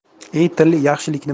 ey til yaxshilikni bil